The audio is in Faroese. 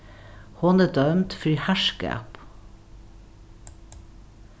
hon er dømd fyri harðskap